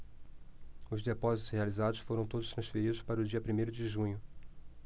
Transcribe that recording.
os depósitos realizados foram todos transferidos para o dia primeiro de junho